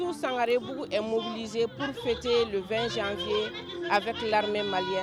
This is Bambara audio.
Tout Sangarebougou est mobilisé pour fêter le 20 janvier avec l'armée malienne